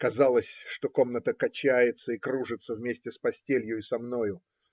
казалось, что комната качается и кружится вместе с постелью и со мною.